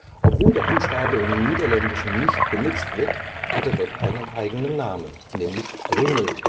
Obwohl der Buchstabe im Niederländischen nicht benutzt wird, hat er dort einen eigenen Namen – Ringel-S (auf Niederländisch „ ringel-s